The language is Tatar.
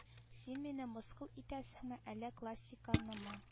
Син мине мыскыл итәсеңме әллә классиканымы